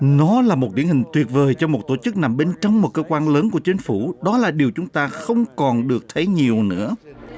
nó là một điển hình tuyệt vời cho một tổ chức nằm bên trong một cơ quan lớn của chính phủ đó là điều chúng ta không còn được thấy nhiều nữa